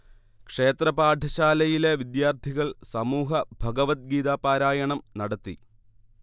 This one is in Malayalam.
ക്ഷേത്ര പാഠശാലയിലെ വിദ്യാർഥികൾ സമൂഹ ഭഗവദ്ഗീത പാരായണം നടത്തി